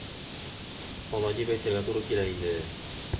Алай дип әйтергә туры килә инде.